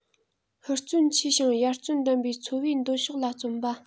ཧུར བརྩོན ཆེ ཞིང ཡར བརྩོན ལྡན པའི འཚོ བའི འདོད ཕྱོགས ལ བརྩོན པ